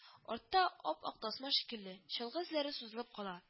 Артта, ап-ак тасма шикелле, чалгы эзләре сузылып кала